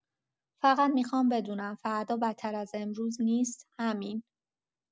فقط می‌خوام بدونم فردا بدتر از امروز نیست، همین.